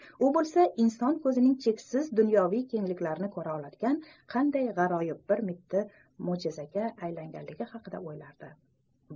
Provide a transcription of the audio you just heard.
u bo'lsa inson ko'zining cheksiz dunyoviy kengliklarni ko'ra oladigan qanday g'aroyib bir mitti mo'jizaga aylanganligi haqida o'ylardi